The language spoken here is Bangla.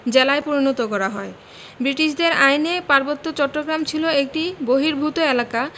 জেলায় পরিণত করা হয় বৃটিশদের আইনে পার্বত্য চট্টগ্রাম ছিল একটি বহির্ভূত এলাকা